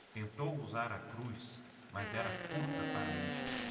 tentou usar a cruz mas era curta para isto